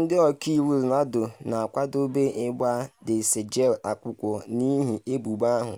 Ndị ọka iwu Ronaldo na-akwadobe ịgba Der Spiegel akwụkwọ n’ihi ebubo ahụ,